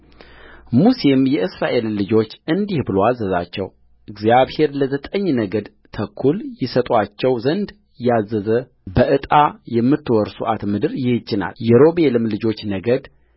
ሙሴም የእስራኤልን ልጆች እንዲህ ብሎ አዘዛቸው እግዚአብሔር ለዘጠኝ ነገድ ተኩል ይሰጡአቸው ዘንድ ያዘዘ በዕጣ የምትወርሱአት ምድር ይህች ናትየሮቤልም ልጆች ነገድ